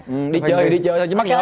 đi chơi thì đi chơi chứ mắc mớ